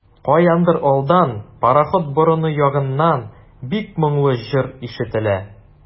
Каяндыр алдан, пароход борыны ягыннан, бик моңлы җыр ишетелә.